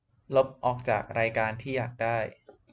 ลบออกจากรายการที่อยากได้